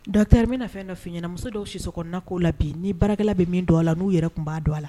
Dotɛri min fɛn dɔfin ɲɛna muso dɔw sikna'o la bi ni baarakɛla bɛ min don a la n'u yɛrɛ tun b'a don a la